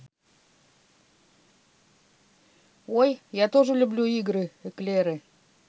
ой я тоже люблю игры эклеры